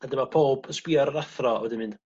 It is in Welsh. A dyma powb yn sbïo ar yr athro a wedyn mynd...